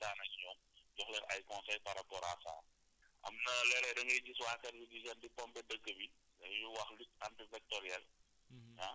pour ñëw waxtaan ak ñoom jox leen ay conseils par rapport à ça am na léeg-léeg da ngay gis waa service d' hygène di pompé dëkk bi lu ñuy wax lutte anti sectorielle